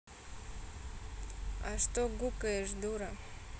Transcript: и что гукаешь дура